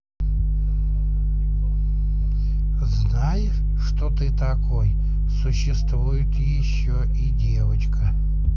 знаешь что ты такой существует еще и девочка